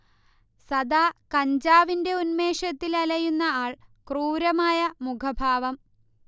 സദാ കഞ്ചാവിന്റെ ഉന്മേഷത്തിൽ അലയുന്ന ആൾ ക്രൂരമായ മുഖഭാവം